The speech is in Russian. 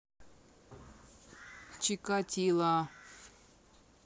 чикатилло